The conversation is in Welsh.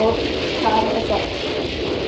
Oh, car eto.